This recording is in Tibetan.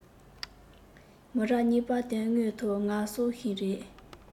མི རབས གཉིས པར དོན དངོས ཐོག ང སྲོག ཤིང རེད